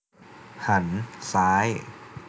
หันซ้าย